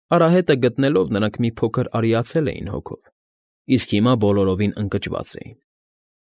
Արահետը գտնելով, նրանք մի փոքր արիացել էին հոգով, իսկ հիմա բոլորովին ընկճված էին։